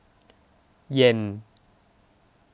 เย็น